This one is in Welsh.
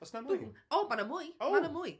Oes 'na mwy?... Oo mae 'na mwy... Oo ... Mae 'na mwy.